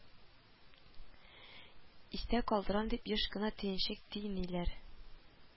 Истә калдырам дип еш кына төенчек тийниләр